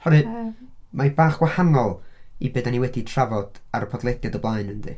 Oherwydd, mae hi bach gwahanol i be dan ni wedi trafod ar y podlediad o blaen, yndi.